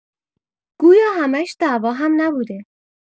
گویا همش دعوا هم نبوده